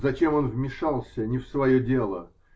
Зачем он вмешался не в свое дело?